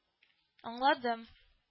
— аңладым